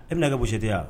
I bɛna kɛ gosi tɛ yan